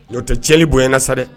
Ɲɔo tɛ cɛli bonyana sa dɛ